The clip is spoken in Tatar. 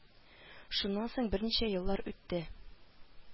Шуннан соң берничә еллар үтте